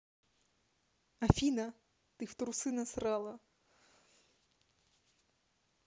афина ты в трусы насрала